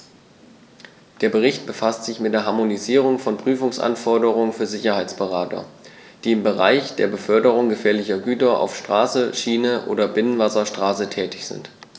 Der Bericht befasst sich mit der Harmonisierung von Prüfungsanforderungen für Sicherheitsberater, die im Bereich der Beförderung gefährlicher Güter auf Straße, Schiene oder Binnenwasserstraße tätig sind.